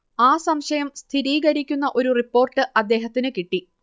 ആ സംശയം സ്ഥിരീകരിക്കുന്ന ഒരു റിപ്പോർട്ട് അദ്ദേഹത്തിന് കിട്ടി